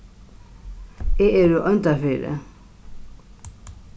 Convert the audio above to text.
eg eri úr oyndarfirði